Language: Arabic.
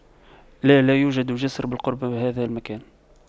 لا لا يوجد جسر بالقرب من هذا المكان